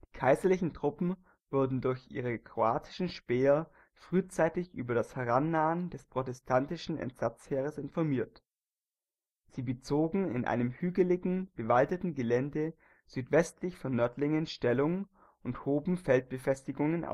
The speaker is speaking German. kaiserlichen Truppen wurden durch ihre kroatischen Späher frühzeitig über das Herannahen des protestantischen Entsatzheeres informiert. Sie bezogen in einem hügeligen, bewaldeten Gelände südwestlich von Nördlingen Stellung und hoben Feldbefestigungen